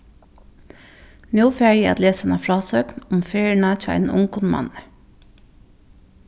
nú fari eg at lesa ein frásøgn um ferðina hjá einum ungum manni